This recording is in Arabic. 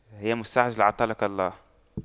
يا مستعجل عطلك الله